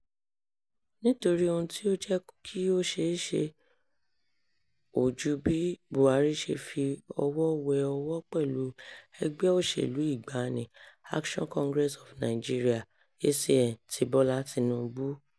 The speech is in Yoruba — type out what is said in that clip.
Nítorí ohun tí ó jẹ́ kí ó ṣeé ṣe ò ju bí Buhari ṣe fi ọwọ́ wẹ ọwọ́ pẹ̀lú ẹgbẹ́ òṣèlú ìgbàanì Action Congress of Nigeria (ACN) ti Bọ́lá Tinubu.